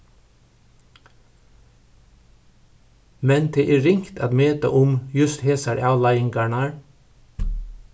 men tað er ringt at meta um júst hesar avleiðingarnar